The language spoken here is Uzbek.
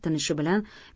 tinishi bilan